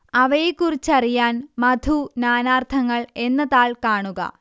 അവയെക്കുറിച്ചറിയാൻ മധു നാനാർത്ഥങ്ങൾ എന്ന താൾ കാണുക